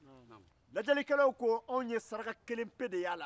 lajɛlikelaw ko anw saraka kelen pe de ye a la